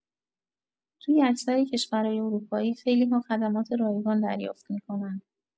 توی اکثر کشورای اروپایی خیلی‌ها خدمات رایگان دریافت می‌کنن.